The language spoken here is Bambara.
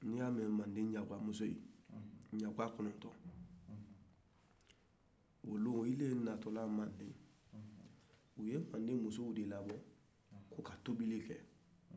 ni i y'a mɛ mande ɲɛguwan musow ɲɛguwa kɔnɔntɔn o don u natɔla mande u ye mande musow de labɔ u ka tobili kɛ